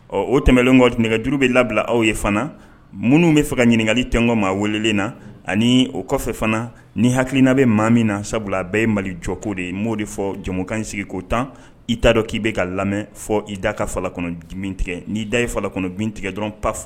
Ɔ o tɛmɛnkɔ nɛgɛ duuruuru bɛ labila aw ye fana minnu bɛ fɛ ka ɲininkali tgɔ maa welelen na ani o kɔfɛ fana ni hakilikiina bɛ maa min na sabula bɛɛ ye mali jɔko de ye m oo de fɔ jamukan in sigi ko tan i t'a dɔn k'i bɛ ka lamɛn fɔ i da ka fara kɔnɔ bin tigɛ ni'i da yekɔnɔ bin tigɛ dɔrɔn pa fɔ